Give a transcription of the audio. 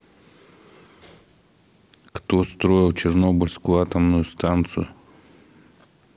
кто строил чернобыльскую атомную станцию